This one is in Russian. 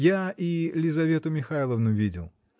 Я и Лизавету Михайловну видел.